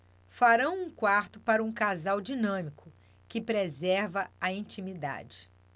farão um quarto para um casal dinâmico que preserva a intimidade